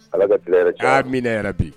Ala ka bilaɛrɛ' min yɛrɛ bi